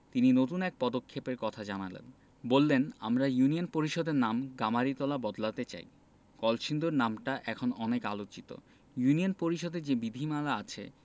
তিনি নতুন এক পদক্ষেপের কথা জানালেন বললেন আমরা ইউনিয়ন পরিষদের নাম গামারিতলা বদলাতে চাই কলসিন্দুর নামটা এখন অনেক আলোচিত ইউনিয়ন পরিষদের যে বিধিমালা আছে